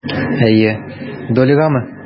Әйе, Доллигамы?